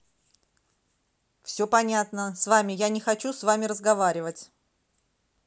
все понятно с вами я не хочу с вами разговаривать